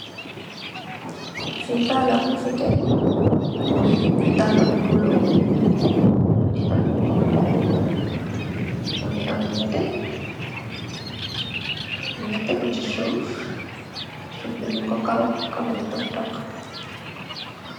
Fii dalla mufi tegu, dalla bu bulo mungi am lu xonxo, mungi am lu neteh, mungi tegu ci suuf, suuf bi nyung ko karo, karo bu dug dug.